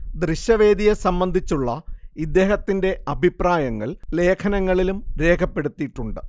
ദൃശ്യവേദിയെ സംബന്ധിച്ചുള്ള ഇദ്ദേഹത്തിന്റെ അഭിപ്രായങ്ങൾ ലേഖനങ്ങളിലും രേഖപ്പെടുത്തിയിട്ടുണ്ട്